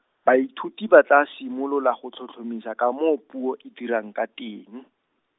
baithuti ba tla simolola go tlhotlhomisa ka moo puo e dirang ka teng.